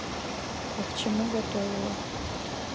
а к чему готовила